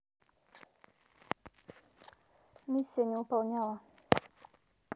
миссия не выполняла